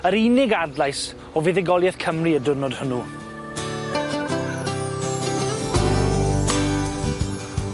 Yr unig adlais o fuddugoliaeth Cymru y diwrnod hwnnw.